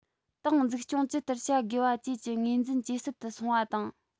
ཏང འཛུགས སྐྱོང ཇི ལྟར བྱ དགོས པ བཅས ཀྱི ངོས འཛིན ཇེ ཟབ ཏུ སོང བ དང